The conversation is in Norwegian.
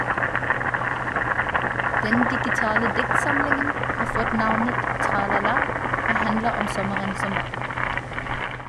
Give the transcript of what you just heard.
Den digitale diktsamlingen har fått navnet "Tralala" og handler om sommeren som var.